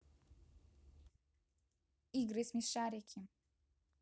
игры смешарики